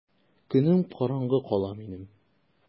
Көнем караңгы кала минем!